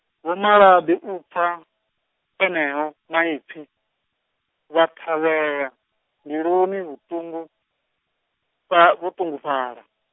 vho Malabi u pfa, eneo maipfi, vha thavhea, mbiluni vhuṱungu, fha vho ṱungufhala.